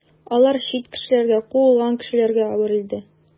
Алар чит кешеләргә, куылган кешеләргә әверелде.